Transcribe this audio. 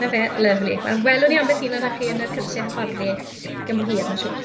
'Na fe, lyfli. Wel welwn ni ambell un ohonoch chi yn yr cyrsiau hyfforddi cyn bo hir, ma'n siŵr.